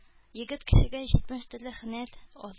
Егет кешегә җитмеш төрле һөнәр аз.